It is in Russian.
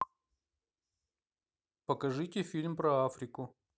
покажите фильм про африку